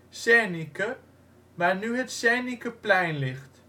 Zernike, waar nu het Zernikeplein ligt